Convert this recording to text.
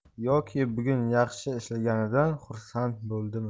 yoki bugun yaxshi ishlaganidan xursand bo'ldimi